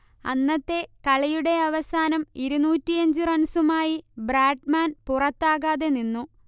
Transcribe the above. അന്നത്തെ കളിയുടെ അവസാനം ഇരുന്നൂറ്റിയഞ്ച് റൺസുമായി ബ്രാഡ്മാൻ പുറത്താകാതെ നിന്നു